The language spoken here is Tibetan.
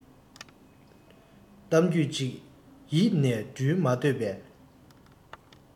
གཏམ རྒྱུད ཅིག ཡིད ནས སྒུལ མ འདོད པས